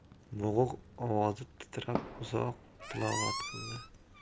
bo'g'iq ovozi titrab uzoq tilovat qildi